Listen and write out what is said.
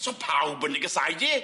So pawb yn dy gysau di?